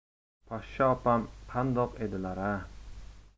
poshsha opam qandoq edilar a